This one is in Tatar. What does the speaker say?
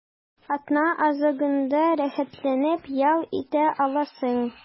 Атна азагында рәхәтләнеп ял итә аласың.